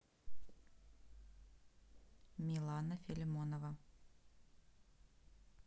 милана филимонова